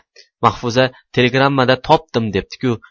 mahfuza telegrammada topdim depdi ku